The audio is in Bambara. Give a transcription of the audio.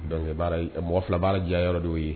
Donc baara in mɔgɔ fila baara diya yɔrɔ de y'o ye